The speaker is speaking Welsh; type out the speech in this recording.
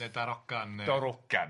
Neu darogan neu... Darogan.